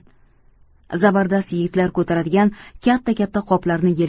zabardast yigitlar ko'taradigan katta katta qoplarni